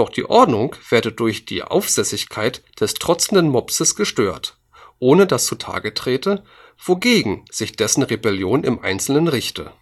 die Ordnung werde durch die Aufsässigkeit des trotzenden Mopses gestört, ohne dass zutage trete, wogegen sich dessen Rebellion im Einzelnen richte